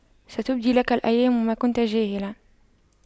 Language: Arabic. ستبدي لك الأيام ما كنت جاهلا